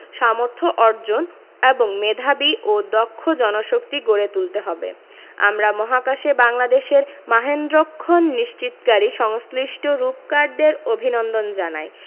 সামর্থ্য অর্জন এবং মেধাবী ও দক্ষ জনশক্তি গড়ে তুলতে হবে আমরা মহাকাশে বাংলাদেশের মাহেন্দ্রক্ষণ নিশ্চিতকারী সংশ্লিষ্ট রূপকারদের অভিনন্দন জানাই